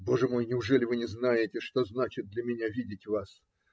- Боже мой, неужели вы не знаете, что значит для меня видеть вас!